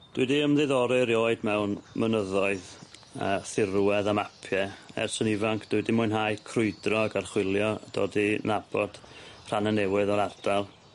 Dwi 'di ymddiddori erioed mewn mynyddoedd a thirwedd a mapie ers yn ifanc dwi 'di mwynhau crwydro ac archwilio dod i nabod rhanne newydd o'r ardal.